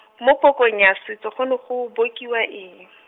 mo pokong ya setso go ne go bokiwa eng?